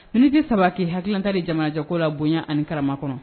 Munites saba k'i hakililata di jamanajɔko la bonya ani karama kɔnɔ.